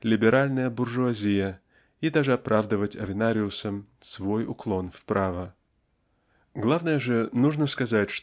либеральная буржуазия и даже оправдывать Авенариусом свой уклон "вправо". Главное же нужно сказать